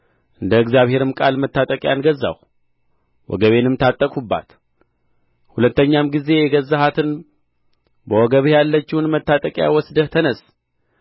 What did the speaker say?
እንደ እግዚአብሔርም ቃል መታጠቂያን ገዛሁ ወገቤንም ታጠቅሁባት ሁለተኛም ጊዜ የገዛሃትን በወገብህ ያለችውን መታጠቂያ ወስደህ ተነሥ